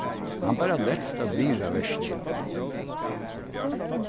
hann bara letst at virða verkið